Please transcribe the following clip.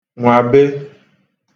nwàbe